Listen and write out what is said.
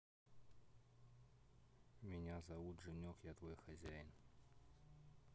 меня зовут женек я твой хозяин